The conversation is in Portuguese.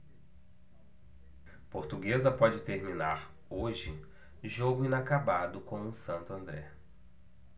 portuguesa pode terminar hoje jogo inacabado com o santo andré